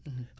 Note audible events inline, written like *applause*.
*hesitation* *hesitation*